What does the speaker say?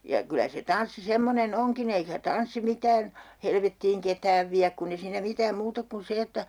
ja kyllä se tanssi semmoinen onkin eikä tanssi mitään helvettiin ketään vie kun ei siinä mitään muuta ole kuin se että